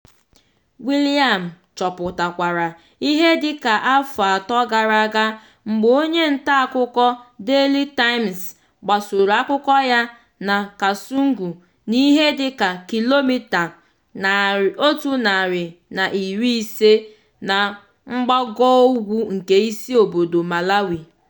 William chawapụtara ihe dịka afọ atọ gara aga mgbe onye ntaakụkọ Daily Times gbasoro akụkọ ya na Kasungu n'ihe dịka kilomita 150 na mgbagougwu nke isi obodo Malawi.